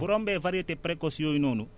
bu rombee variétés précoces yooyu noonu